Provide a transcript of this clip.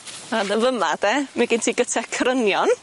A'n y fy' 'ma de mae gin ti gyta crynion.